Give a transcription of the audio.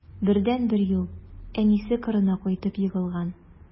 Бердәнбер юл: әнисе кырына кайтып егылган.